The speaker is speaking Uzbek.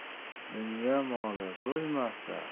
dunyo moli bo'lmasa